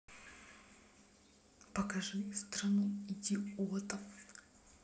покажи страну идиотов